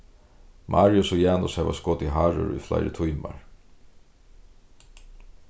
marius og janus hava skotið harur í fleiri tímar